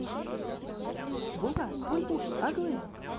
булат бульбуль оглы